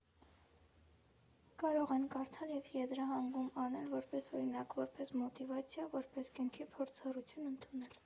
Կարող են կարդալ և եզրահանգում անել, որպես օրինակ, որպես մոտիվացիա, որպես կյանքի փորձառություն ընդունել։